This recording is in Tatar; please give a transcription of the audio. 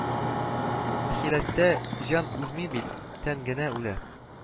Ахирәттә җан үлми бит, тән генә үлә